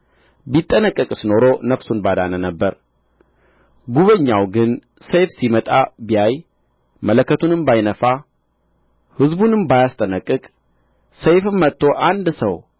ቢጠነቀቅስ ኖሮ ነፍሱን ባዳነ ነበር ጕበኛው ግን ሰይፍ ሲመጣ ቢያይ መለከቱንም ባይነፋ ሕዝቡንም ባያስጠነቅቅ ሰይፍም መጥቶ አንድ ሰው